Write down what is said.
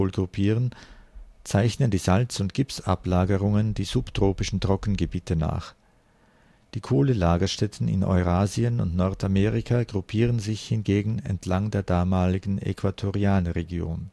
gruppieren, zeichnen die Salz - und Gipsablagerungen die subtropischen Trockengebiete nach. Die Kohlelagerstätten in Eurasien und Nordamerika gruppieren sich hingegen entlang der damaligen Äquatorialregion